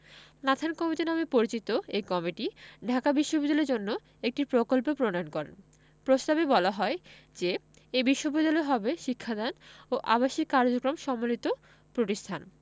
Nathan committee নামে পরিচিত এ কমিটি ঢাকা বিশ্ববিদ্যালয়ের জন্য একটি প্রকল্প প্রণয়ন করেন প্রস্তাবে বলা হয় যে এ বিশ্ববিদ্যালয় হবে শিক্ষাদান ও আবাসিক কার্যক্রম সম্বলিত প্রতিষ্ঠান